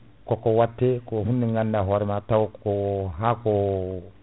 koko watte ko hunde nde gandanɗa hoorema taw ko haako